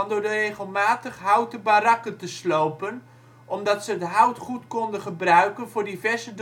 regelmatig houten barakken te slopen, omdat ze het hout goed konden gebruiken voor diverse